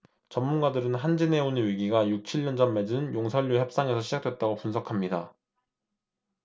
전문가들은 한진해운의 위기가 육 칠 년 전 맺은 용선료 협상에서 시작했다고 분석합니다